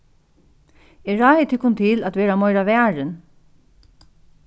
eg ráði tykkum til at vera meira varin